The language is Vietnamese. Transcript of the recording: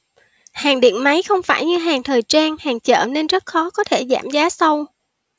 hàng điện máy không phải như hàng thời trang hàng chợ nên rất khó có thể giảm giá sâu